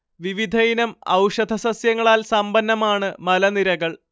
വിവിധയിനം ഔഷധ സസ്യങ്ങളാൽ സമ്പന്നമാണ് മലനിരകൾ